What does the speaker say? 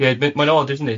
Ie mae'n od, isn't it?